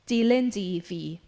Dilyn di fi.